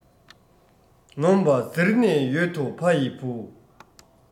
ནོམ པ འཛིར ནས ཡོད དོ ཕ ཡི བུ